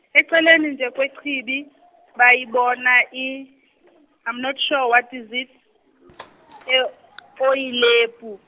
eceleni nje kwechibi bayibona i- i'm not sure what is it, Oyi- Oyilepu.